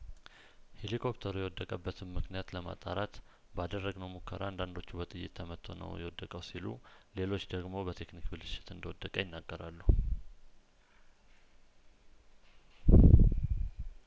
ሄሊኮፕተሩ የወደቀ በትንምክንያት ለማጣራት ባደረ ግነው ሙከራ አንዳንዶቹ በጥይት ተመቶ ነው የወደቀው ሲሉ ሌሎች ደግሞ በቴክኒክ ብልሽት እንደወደቀ ይናገራሉ